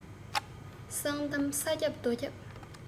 གསང གཏམ ས ཁྱབ རྡོ ཁྱབ